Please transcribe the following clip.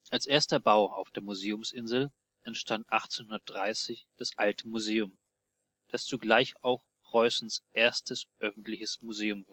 Als erster Bau auf der Museumsinsel entstand 1830 das Alte Museum, das zugleich auch Preußens erstes öffentliches Museum